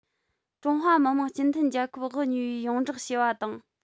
ཀྲུང ཧྭ མི དམངས སྤྱི མཐུན རྒྱལ ཁབ དབུ བརྙེས པའི ཡོངས བསྒྲགས བྱས པ དང